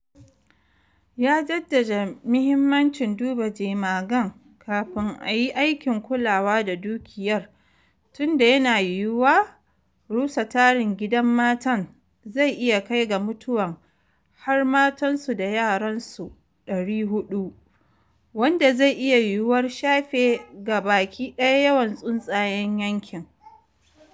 Ya jaddada mahimmanci duba jemagan kafin a yi aikin kulawa da dukiyar tunda yana yiyuwa rusa tarin gidan matan zai iya kai ga mutuwan har matan su da yaran su 400, wanda zai iya yiyuwar shafe gaba ki daya yawan tsuntsayen yankin.